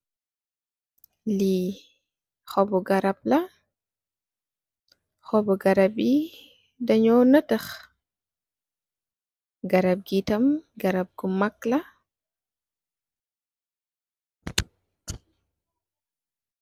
Li xóbu garap la, xóbu garap yi dañoo natax. Garap ngi tam garap gu mak la.